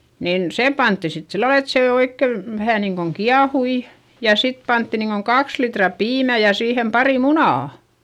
niin sen pantiin sitten sillä lailla että se oikein vähän niin kuin kiehui ja sitten pantiin niin kuin kaksi litraa piimää ja siihen pari munaa